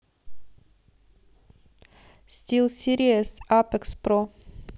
стил сириес апекс про